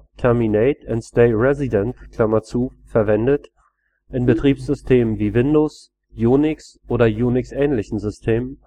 Terminate and Stay Resident) verwendet, in Betriebssystemen wie Windows, Unix oder Unix-ähnlichen Systemen